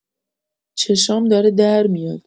چشام داره در میاد